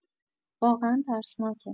واقعا ترسناکه